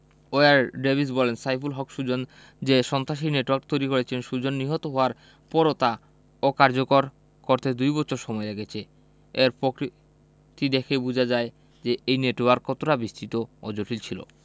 wire Davis বলেন সাইফুল হক সুজন যে সন্ত্রাসী নেটওয়ার্ক তৈরি করেছেন সুজন নিহত হওয়ার পরও তা অকার্যকর করতে দুই বছর সময় লেগেছে এর প্রকৃতি দেখে বোঝা যায় এই নেটওয়ার্ক কতটা বিস্তৃত ও জটিল ছিল